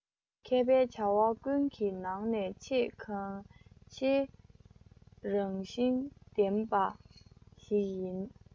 མཁས པའི བྱ བ ཀུན གྱི ནང ནས ཆེས གལ ཆེའི རང བཞིན ལྡན པ ཞིག ཡིན